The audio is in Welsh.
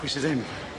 Pwy sy ddim?